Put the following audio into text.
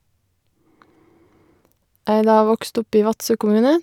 Jeg er da vokst opp i Vadsø kommune.